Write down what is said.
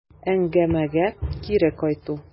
Әңгәмәгә кире кайту.